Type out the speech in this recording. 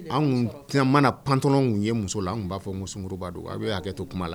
Anw ti mana pant ye muso la anw b'a fɔ sumaworo'a don bɛ' hakɛ to kuma la